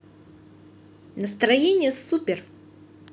настроение супер